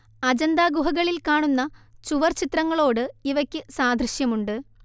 അജന്താ ഗുഹകളിൽ കാണുന്ന ചുവർ ചിത്രങ്ങളോട് ഇവയ്ക്ക് സാദൃശ്യമുണ്ട്